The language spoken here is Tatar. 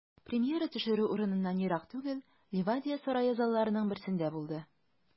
Премьера төшерү урыныннан ерак түгел, Ливадия сарае залларының берсендә булды.